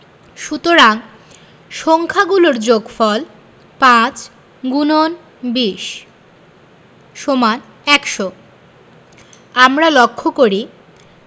সুতরাং সংখ্যা গুলোর যোগফল ৫*২০=১০০ আমরা লক্ষ করি